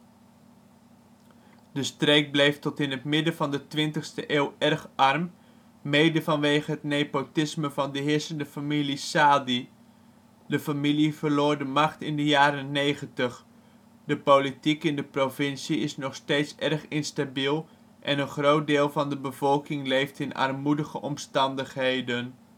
streek bleef tot in het midden van de 20e eeuw erg arm, mede vanwege het nepotisme van de heersende familie Saadi. De familie verloor de macht in de jaren ' 90; de politiek in de provincie is nog steeds erg instabiel en een groot deel van de bevolking leeft in armoedige omstandigheden